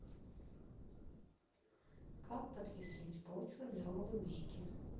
как подкислить почву для голубики